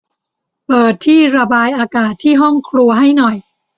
เปิดที่ระบายอากาศที่ห้องครัวให้หน่อย